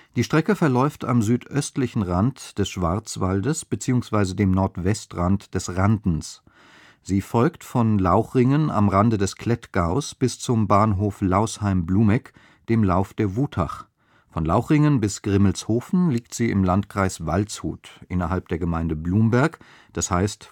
Die Strecke verläuft am südöstlichen Rand des Schwarzwalds beziehungsweise dem Nordwestrand des Randens. Sie folgt von Lauchringen am Rande des Klettgaus bis zum Bahnhof Lausheim-Blumegg dem Lauf der Wutach. Von Lauchringen bis Grimmelshofen liegt sie im Landkreis Waldshut, innerhalb der Gemeinde Blumberg – das heißt